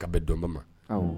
Ka bɛ dɔn ma